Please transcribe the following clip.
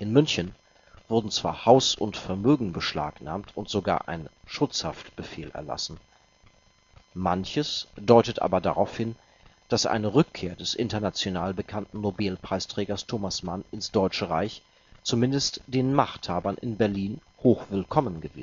München wurden zwar Haus und Vermögen beschlagnahmt und sogar ein „ Schutzhaftbefehl “erlassen. Manches deutet aber darauf hin, dass eine Rückkehr des international bekannten Nobelpreisträgers Thomas Mann ins Deutsche Reich zumindest den Machthabern in Berlin hochwillkommen